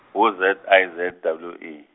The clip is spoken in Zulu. U Z I Z W E.